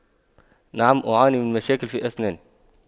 نعم أعاني من مشاكل في أسناني